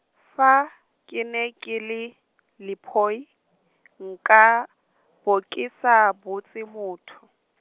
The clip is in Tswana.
fa, ke ne ke le, lephoi, nka, bo ke sa botse motho.